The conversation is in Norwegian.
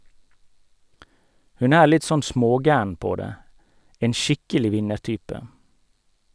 Hun er litt sånn smågæren på det, en skikkelig vinnertype.